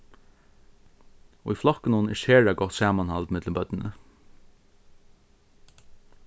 í flokkunum er sera gott samanhald millum børnini